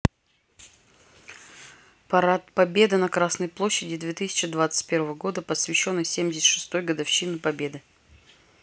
парад победы на красной площади две тысячи двадцать первого года посвященный семьдесят шестой годовщины победы